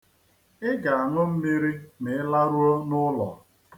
Ị ga-aṅụ mmiri ma ị laruo n'ụlọ.